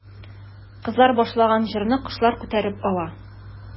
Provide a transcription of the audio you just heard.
Кызлар башлаган җырны кошлар күтәреп ала.